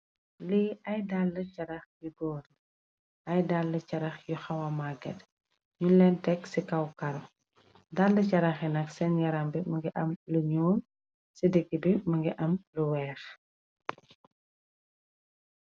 Lii ay dàll carax yu góorn ay dall carax yu xawa maget ñuñ leen tekg ci kawkal dall jarax yi nax seen yaram bi mëngi am lu ñool ci digg bi mëngi am lu weex